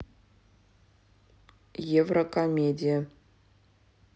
евро комедия